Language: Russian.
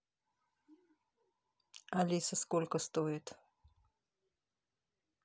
алиса сколько стоит